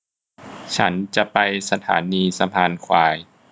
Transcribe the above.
ฉันจะไปสถานีสะพานควาย